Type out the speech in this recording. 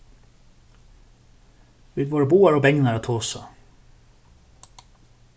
vit vóru báðar ov bangnar at tosa